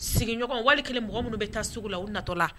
Sigiɲɔgɔn wali kelen mɔgɔ minnu bɛ taa sugu la u natɔ la